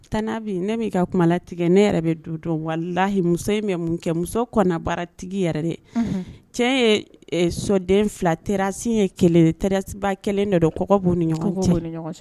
Ka kuma la tigɛ ne yɛrɛ dɔn wala muso in bɛ mun kɛ muso kɔnɔnabaratigi yɛrɛ cɛ ye soden fila tɛsi yesiba kelen ni